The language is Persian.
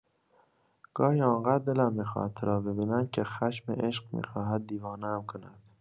گاهی آن‌قدر دلم می‌خواهد تو را ببینم که خشم عشق می‌خواهد دیوانه‌ام کند.